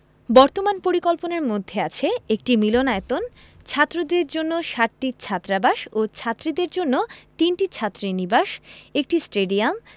বর্তমান পরিকল্পনার মধ্যে আছে একটি মিলনায়তন ছাত্রদের জন্য সাতটি ছাত্রাবাস ও ছাত্রীদের জন্য তিনটি ছাত্রীনিবাস একটি স্টেডিয়াম